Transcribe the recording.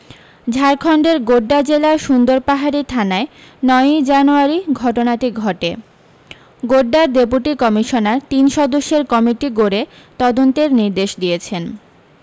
ঝাড়খণ্ডের গোড্ডা জেলার সুন্দরপাহাড়ি থানায় নয়ি জানুয়ারি ঘটনাটি ঘটে গোড্ডার ডেপুটি কমিশনার তিন সদস্যের কমিটি গড়ে তদন্তের নির্দেশ দিয়েছেন